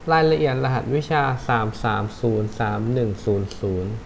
รายละเอียดรหัสวิชาสามสามศูนย์สามหนึ่งศูนย์ศูนย์